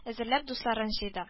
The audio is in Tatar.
Әзерләп дусларын җыйды